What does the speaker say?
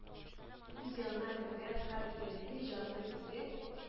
Үз янына кергән һәр игелекле җанны изге